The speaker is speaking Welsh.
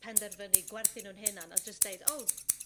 penderfynu gwerthu nhw'n hunan, a jyst deud o